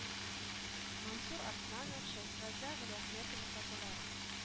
Мансур АРСЛАНОВ, Шайхраза ВәЛИәхмәтов фотолары